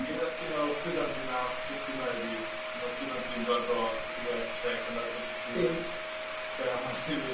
Ia, un o students fi wnaeth dysgu hynna i fi. Un o students fi'n dod o Gweriniaeth Tsiec, a wnaeth o dysgu gair 'ma i fi.